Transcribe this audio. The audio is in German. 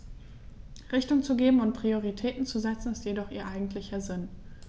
Richtung zu geben und Prioritäten zu setzen, ist jedoch ihr eigentlicher Sinn.